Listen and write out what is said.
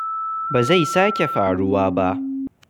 “Ba zai sake faruwa ba”